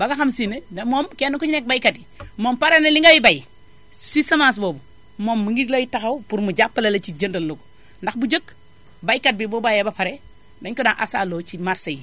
ba nga xam si ne moom kenn ku ci nekk baykat yi moom pare na li ngay bay si semence boobu moom mi ngi lay taxaw pour mu jàppale la ci jëndal la ko ndax bu njëkk baykat bi bu bayee ba pre dañu ko daan asaaloo ci marché yi